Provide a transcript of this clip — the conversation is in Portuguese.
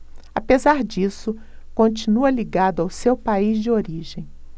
apesar disso continua ligado ao seu país de origem